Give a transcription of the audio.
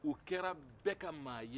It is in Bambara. u kɛra bɛɛ ka maa ye